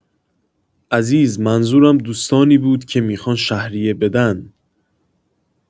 عزیز منظورم دوستانی بود که میخوان شهریه بدن.